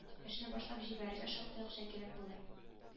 Эшне башлап җибәрергә шактый акча кирәк булыр